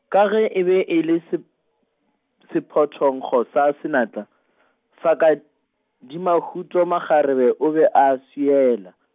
ka ge e be e le sep-, sephothonkgo sa senatla, Fakadimahuto makgarebe o be a a swiela.